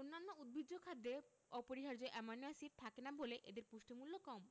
অন্যান্য উদ্ভিজ্জ খাদ্যে অপরিহার্য অ্যামাইনো এসিড থাকে না বলে এদের পুষ্টিমূল্য কম